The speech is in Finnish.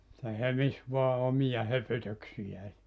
se hömisi vain omia höpötyksiään